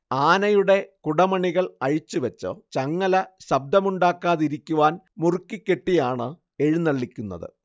ആനയുടെ കുടമണികൾ അഴിച്ചുവെച്ച് ചങ്ങല ശബ്ദമുണ്ടാക്കാതിരിക്കുവാൻ മുറുക്കി കെട്ടിയാണ് എഴുന്നള്ളിക്കുന്നത്